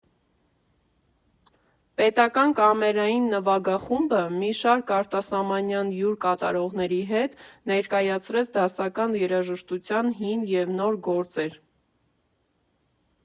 Պետական Կամերային նվագախումբը մի շարք արտասահմանյան հյուր կատարողների հետ ներկայացրեց դասական երաժշտության հին և նոր գործեր։